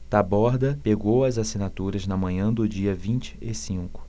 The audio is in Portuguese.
taborda pegou as assinaturas na manhã do dia vinte e cinco